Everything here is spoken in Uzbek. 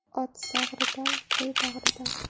ot sag'ridan qo'y bag'ridan